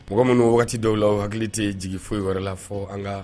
Mɔgɔ mana waati wagati dɔw la hakili tɛ jigin foyi wɛrɛ la fɔ an